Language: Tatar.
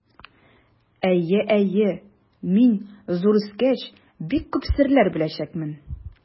Әйе, әйе, мин, зур үскәч, бик күп серләр беләчәкмен.